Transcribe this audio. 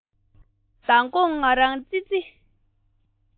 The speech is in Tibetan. མདང དགོང ང རང ཙི ཙི